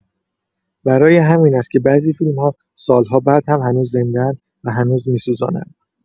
برای همین است که بعضی فیلم‌ها سال‌ها بعد هم هنوز زنده‌اند و هنوز می‌سوزانند.